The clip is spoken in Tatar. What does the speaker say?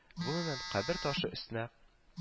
Гомумән, кабер ташы өстенә